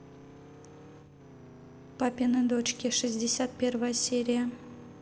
папины дочки шестьдесят первая серия